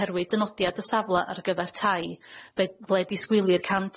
oherwydd dynodiad y safla ar gyfer tai be- ble disgwylir cant